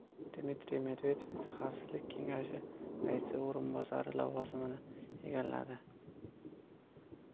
dmitriy medvedev esa xavfsizlik kengashi raisi o'rinbosari lavozimini egalladi